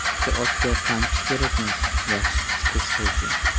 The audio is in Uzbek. yaxshi otga qamchi kerakmas yaxshi qizga sovchi